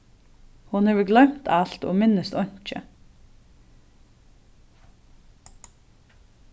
hon hevur gloymt alt og minnist einki